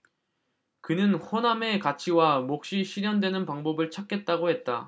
그는 호남의 가치와 몫이 실현되는 방법을 찾겠다고 했다